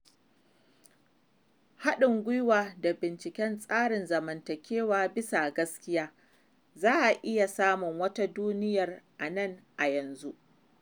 Haɗin gwiwa da binciken tsarin zamantakewa bisa gaskiya: za a iya samun wata duniyar a nan a yanzu.